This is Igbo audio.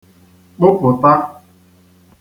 kpụpụta